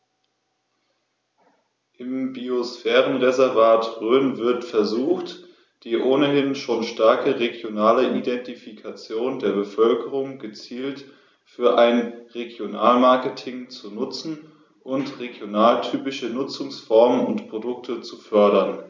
Im Biosphärenreservat Rhön wird versucht, die ohnehin schon starke regionale Identifikation der Bevölkerung gezielt für ein Regionalmarketing zu nutzen und regionaltypische Nutzungsformen und Produkte zu fördern.